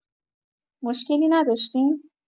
مشکلی نداشتیم؟